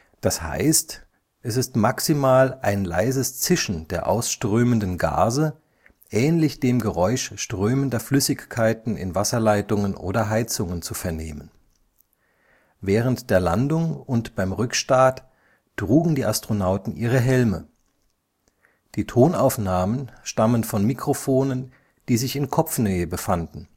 Das heißt, es ist maximal ein leises Zischen der ausströmenden Gase, ähnlich dem Geräusch strömender Flüssigkeiten in Wasserleitungen oder Heizungen, zu vernehmen. Während der Landung und beim Rückstart trugen die Astronauten ihre Helme. Die Tonaufnahmen stammen von Mikrofonen, die sich in Kopfnähe befanden